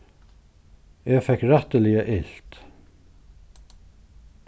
eg fekk rættiliga ilt